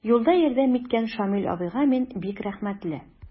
Юлда ярдәм иткән Шамил абыйга мин бик рәхмәтле.